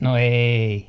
no ei